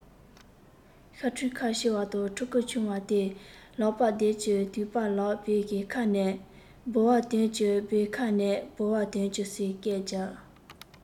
ཤ ཕྲུའི ཁ ཕྱེ བ དང ཕྲུ གུ ཆུང བ དེས ལག པ རྡེབ ཀྱིན དུ པྰ ལགས བེའུའི ཁ ནས ལྦུ བ དོན གྱིས བེའུའི ཁ ནས ལྦུ བ དོན གྱིས ཟེར སྐད རྒྱབ